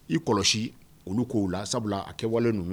I kɔlɔsi olu kow la, sabula a kɛ wale ninnu